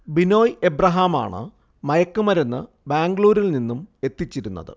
ബിനോയ് ഏബ്രഹാമാണ് മയക്കുമരുന്ന് ബാംഗ്ലൂരിൽ നിന്നും എത്തിച്ചിരുന്നത്